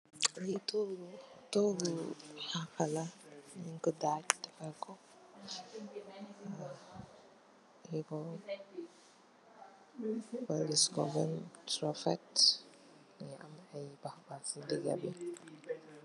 Li togu la togu xanax la nyu ko daag defar ko poliisx ko beem refet mogi am ay paxpax si dega bi.